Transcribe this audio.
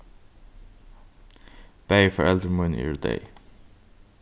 bæði foreldur míni eru deyð